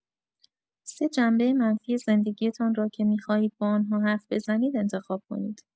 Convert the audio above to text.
سه جنبه منفی زندگی‌تان را که می‌خواهید با آن‌ها حرف بزنید انتخاب کنید.